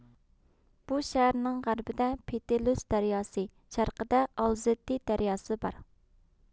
بۇ شەھەرنىڭ غەربىدە پېتېلۈس دەرياسى شەرقىدە ئالزېتتې دەرياسى بار